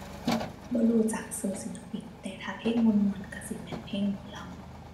บ่รู้จักชื่อศิลปิน แต่ถ้าเพลงม่วนม่วนชื่อสิแม่นเพลงหมอลำ